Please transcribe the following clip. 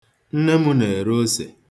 Nne m na-ere ose.